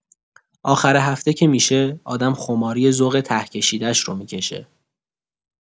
آخر هفته که می‌شه آدم خماری ذوق ته کشیده‌ش رو می‌کشه.